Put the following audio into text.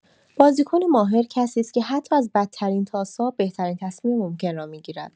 بازیکن ماهر کسی است که حتی از بدترین تاس‌ها، بهترین تصمیم ممکن را می‌گیرد.